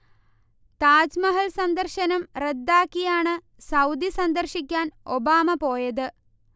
താജ്മഹൽ സന്ദർശനം റദ്ദാക്കിയാണ് സൗദി സന്ദർശിക്കാൻ ഒബാമ പോയത്